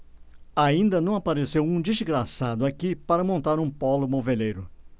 ainda não apareceu um desgraçado aqui para montar um pólo moveleiro